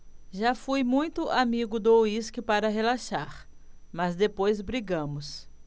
já fui muito amigo do uísque para relaxar mas depois brigamos